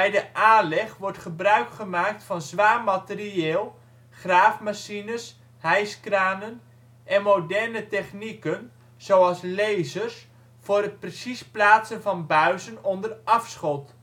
de aanleg wordt gebruikgemaakt van zwaar materieel (graafmachines, hijskranen) en moderne technieken zoals lasers voor het precies plaatsen van buizen onder afschot